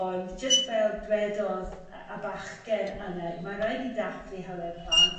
ond jyst fel dywedodd a bachgen yna ma' raid ni dathlu hawliau plant